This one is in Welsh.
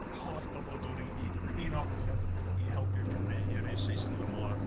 Yr holl bobl yn dod ynghyd o'r Hen Ogledd i helpu'r Cymru i yrru'r Saeson yn ôl i'r môr